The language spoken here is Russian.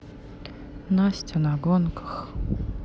настя на гонках